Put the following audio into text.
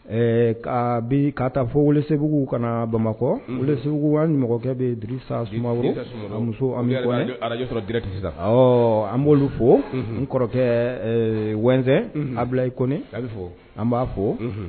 Ka bi ka taa fɔ weele segu kana bamakɔ segu ni mɔgɔkɛ bɛ di sa suma muso an bɛ an b'olu fo n kɔrɔkɛ w a bila i kɔni bɛ fɔ an b'a fo